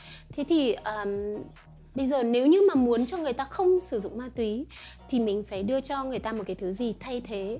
thế thì bây giờ nếu như mà muốn cho người ta không sử dụng ma túy thì mình phải đưa cho người ta một cái gì thay thế